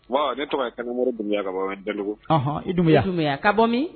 Ne tɔgɔ ye kanumo bonya ka daɔn i ka bɔ min